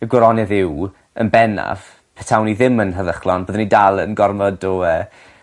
y gwironedd yw yn bennaf petawn i ddim yn heddychlon byddwn i dal yn gormod o yy